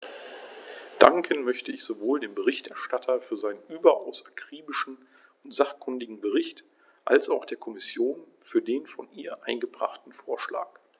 Danken möchte ich sowohl dem Berichterstatter für seinen überaus akribischen und sachkundigen Bericht als auch der Kommission für den von ihr eingebrachten Vorschlag.